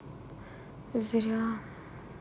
зря